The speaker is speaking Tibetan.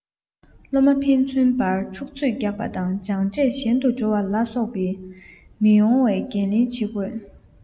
སློབ མ ཕན ཚུན དབར འཁྲུག རྩོད རྒྱག པ དང སྦྱངས འབྲས ཞན དུ འགྲོ བ ལ སོགས པའི མི ཡོང བའི འགན ལེན བྱེད དགོས